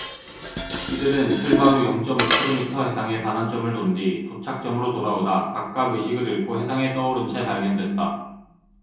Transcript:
이들은 출발 후 영 쩜 오 키로미터 해상의 반환점을 돈 뒤 도착점으로 돌아오다 각각 의식을 잃고 해상에 떠오른 채 발견됐다